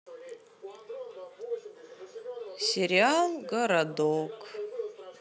сериал городок